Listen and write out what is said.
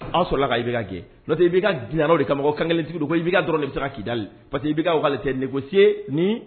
Aw sɔrɔ la ka IBK gɛn, n'o tɛ Ibk nan'o de kama ko kankelen tigi don ko IBK dɔrɔn de bɛ se ka Kidale